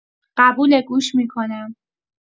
قبوله گوش می‌کنم.